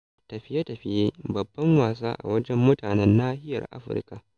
Tafiye-tafiye: Babban wasa a wajen mutanen nahiyar Afirka